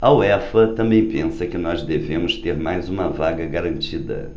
a uefa também pensa que nós devemos ter mais uma vaga garantida